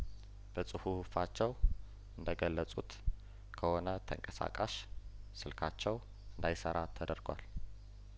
በጹሁፋቸው እንደገለጹት ከሆነ ተንቀሳቃሽ ስል ካቸው እንዳይሰራ ተደርጓል